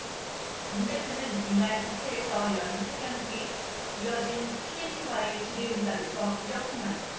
문 대표는 이날 국회에서 연 회견 뒤 이어진 취재진과의 질의응답에서 이렇게 말했다